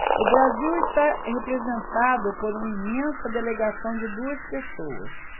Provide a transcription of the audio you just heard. o brasil está representado por uma imensa delegação de duas pessoas